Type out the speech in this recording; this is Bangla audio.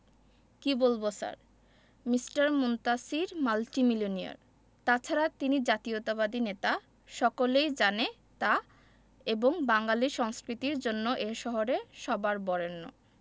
কি বলব স্যার মিঃ মুনতাসীর মাল্টিমিলওনিয়ার তাছাড়া তিনি জাতীয়তাবাদী নেতা সকলেই জানে তা এবং বাঙালী সংস্কৃতির জন্য এ শহরে সবার বরেণ্য